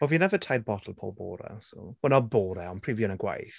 Wel fi'n yfed tair botel pob bore so wel not bore ond pryd fi yn y gwaith.